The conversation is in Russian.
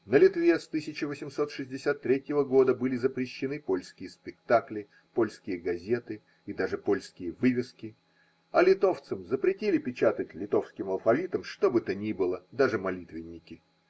На Литве с тысяча восемьсот шестьдесят третьего года были запрещены польские спектакли, польские газеты и даже польские вывески, а литовцам запретили печатать литовским алфавитом что бы то ни было, даже молитвенники.